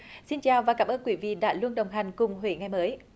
xin chào và cảm ơn quý vị đã luôn đồng hành cùng huế ngày mới